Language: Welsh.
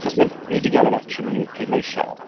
Ahos ma- ni 'di gael yr opsiwn i pleidleisio.